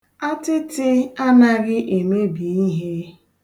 Atịtị anaghị emebi ihe.